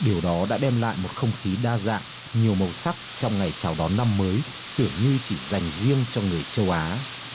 điều đó đã đem lại một không khí đa dạng nhiều màu sắc trong ngày chào đón năm mới tưởng như chỉ dành riêng cho người châu á